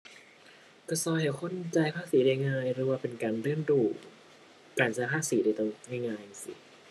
ก็ก็ให้คนจ่ายภาษีได้ง่ายหรือว่าเป็นการเรียนรู้การจ่ายภาษีโดยตรงง่ายง่ายจั่งซี้